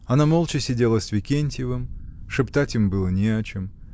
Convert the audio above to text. Она молча сидела с Викентьевым: шептать им было не о чем.